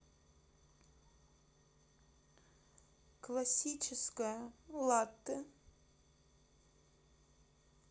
классическое латте